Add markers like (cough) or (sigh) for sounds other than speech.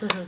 (hesitation) (hesitation)